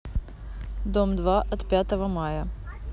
дом два от пятого мая